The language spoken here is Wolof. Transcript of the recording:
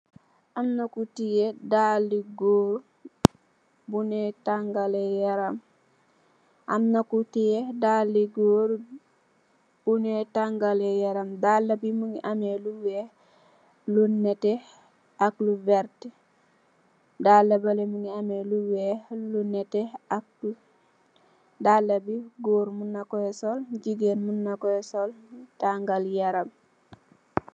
Amna ku teyeh dalle goor bunuy tagale yaram amna ku teyeh dalle goor bunuy tagale yaram dalle be muge ameh lu weex lu neteh ak lu verte dalla bale muge ameh lu weex lu neteh ak lu dalla be goor muno koye sol jegain muno kuye sol tagal yaram.